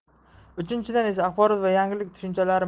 uchinchidan esa axborot va yangilik tushunchalari